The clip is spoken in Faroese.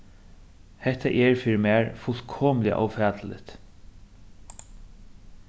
hetta er fyri mær fullkomiliga ófatiligt